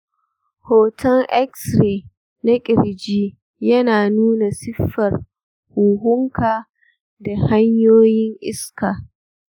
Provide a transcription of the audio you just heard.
hoton x-ray na ƙirji yana nuna siffar huhunka da hanyoyin iska.